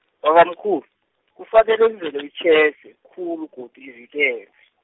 babamkhulu kufanele imvelo itjhejwe, khulu godu ivikelwe.